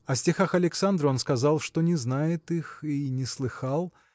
О стихах Александра он сказал, что не знает их и не слыхал.